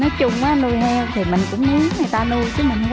nói chung á nuôi heo thì mình cũng mướn người ta nuôi chứ mình